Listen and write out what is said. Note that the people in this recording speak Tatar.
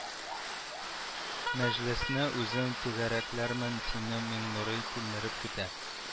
Мәҗлесне үзем түгәрәкләрмен сине миңнурый тилмереп көтә